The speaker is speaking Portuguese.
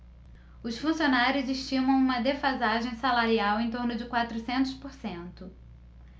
os funcionários estimam uma defasagem salarial em torno de quatrocentos por cento